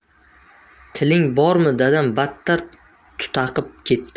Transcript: tiling bormi dadam battar tutaqib ketdi